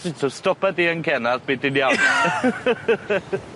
So stopa di yn Cenarth by' ti'n iawn.